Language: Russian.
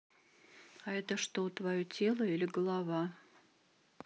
а это что твое тело или голова